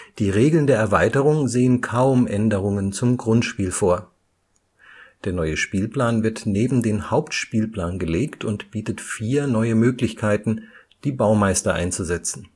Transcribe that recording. Die Regeln der Erweiterung sehen kaum Änderungen zum Grundspiel vor. Der neue Spielplan wird neben den Hauptspielplan gelegt und bietet vier neue Möglichkeiten, die Baumeister einzusetzen